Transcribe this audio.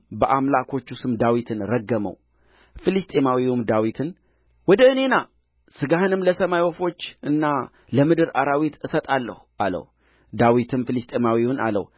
በአምላኮቹ ስም ዳዊትን ረገመው ፍልስጥኤማዊውም ዳዊትን ወደ እኔ ና ሥጋህንም ለሰማይ ወፎችና ለምድር አራዊት እሰጣለሁ አለው ዳዊትም ፍልስጥኤማዊውን አለው